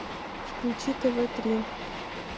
включи тв три